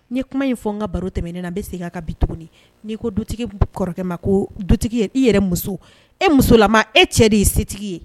N kuma in fɔ n ka baro tɛmɛnen na a bɛ segin' ka bin tuguni n'i ko dutigi b'u kɔrɔkɛ ma ko dutigi i yɛrɛ muso e muso e cɛ de y ye setigi ye